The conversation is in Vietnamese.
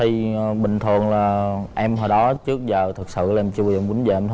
thì bình thường là em hồi đó trước giờ thực sự em chưa bao giờ muốn làm